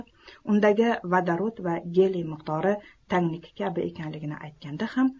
undagi vodorod va geliy miqdori tangniki kabi ekanini aytganda ham